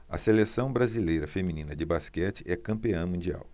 a seleção brasileira feminina de basquete é campeã mundial